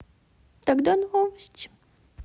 тогда новости